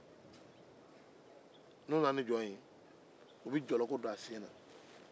n'u nana ni jɔn ye u be jɔlɔkɔ don a sen na